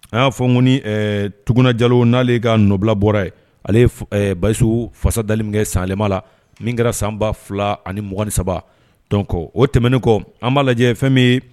A y'a fɔ ko ni tuguna jalo n'ale ka nɔbila bɔra yen, ale ɛɛ Bayisu fasa da li min kɛ sanyɛlɛma la min kɛra 2023 donc o tɛmɛnen kɔ an b'a lajɛ fɛn ye